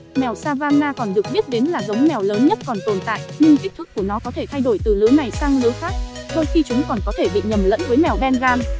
mèo savannah còn được biết đến là giống mèo lớn nhất còn tồn tại nhưng kích thước của nó có thể thay đổi từ lứa này sang lứa khác đôi khi chúng còn có thể bị nhầm lẫn với mèo bengal